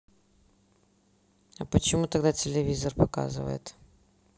а почему тогда телевизор показывает